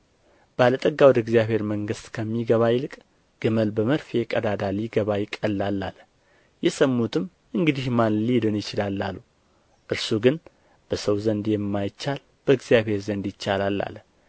ባለ ጠጋ ወደ እግዚአብሔር መንግሥት ከሚገባ ይልቅ ግመል በመርፌ ቀዳዳ ሊገባ ይቀላል አለ የሰሙትም እንግዲህ ማን ሊድን ይችላል አሉ እርሱ ግን በሰው ዘንድ የማይቻል በእግዚአብሔር ዘንድ ይቻላል አለ